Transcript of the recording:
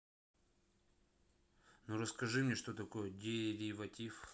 фильм константин окко